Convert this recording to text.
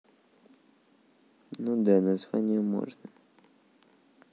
ну да название можно